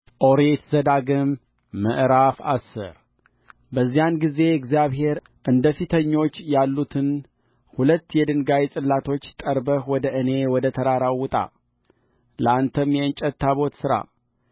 ኦሪት ዘዳግም ምዕራፍ አስር በዚያን ጊዜ እግዚአብሔር እንደ ፊተኞች ያሉትን ሁለት የድንጋይ ጽላቶች ጠርበህ ወደ እኔ ወደ ተራራው ውጣ ለአንተም የእንጨት ታቦት ሥራ